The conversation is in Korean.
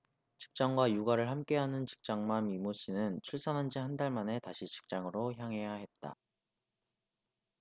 직장과 육아를 함께하는 직장맘 이모씨는 출산한지 한 달 만에 다시 직장으로 향해야 했다